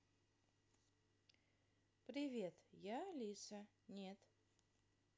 привет я алиса нет